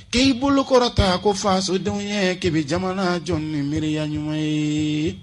K'i bolokɔrɔ ta ko fadenw ye kɛmɛ bɛ jamana jɔn ni miiriereya ɲuman ye